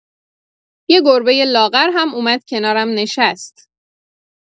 یه گربۀ لاغر هم اومد کنارم نشست.